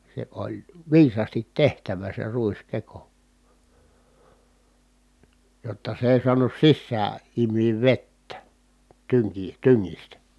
se oli viisaasti tehtävä se ruiskeko jotta se ei saanut sisään imeä vettä - tyngistä